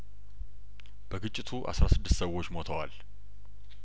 በግጭቱ አስራ ስድስት ሰዎች ሞተዋል